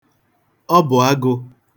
Ọ bụ agụ.